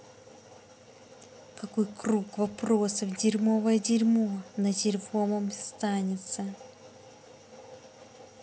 какой круг вопросов дерьмовое дерьмо на дерьмовой останется